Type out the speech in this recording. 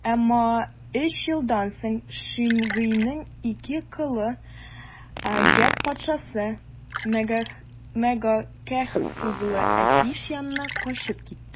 Әмма өч елдан соң Шимгыйның ике колы Гәт патшасы, Мәгакәһ углы Әкиш янына качып китте.